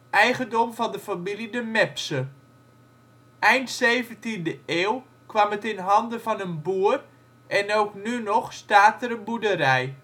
eigendom van de familie de Mepsche. Eind 17e eeuw kwam het in handen van een boer en ook nu nog staat er een boerderij